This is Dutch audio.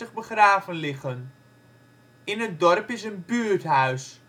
begraven liggen. In het dorp is een buurthuis